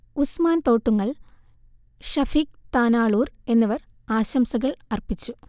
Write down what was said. ഉസ്മാൻ തോട്ടുങ്ങൽ, ഷഫീഖ് താനാളൂർ എന്നിവർ ആശംസകൾ അർപ്പിച്ചു